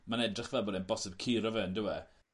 mae'n edrych fel bod e'n bosib curo fe yndyw e?